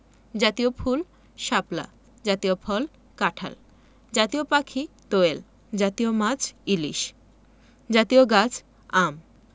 জাতীয় ফুলঃ শাপলা জাতীয় ফলঃ কাঁঠাল জাতীয় পাখিঃ দোয়েল জাতীয় মাছঃ ইলিশ জাতীয় গাছঃ আম